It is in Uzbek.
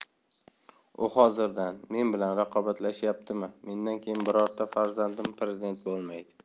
u hozirdan men bilan raqobatlashyaptimi mendan keyin birorta farzandim prezident bo'lmaydi